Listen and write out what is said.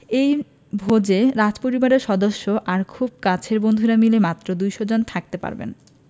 এই ভোজে রাজপরিবারের সদস্য আর খুব কাছের বন্ধুরা মিলে মাত্র ২০০ জন থাকতে পারবেন